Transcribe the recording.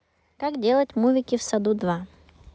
как делать мувики в саду два